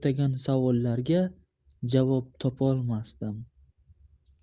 savollarga javob topolmasdim